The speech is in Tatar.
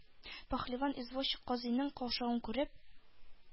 Пәһлеван извозчик, казыйның каушавын күреп,